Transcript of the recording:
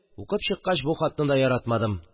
Укып чыккач, бу хатны да яратмадым